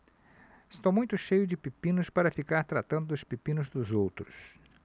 estou muito cheio de pepinos para ficar tratando dos pepinos dos outros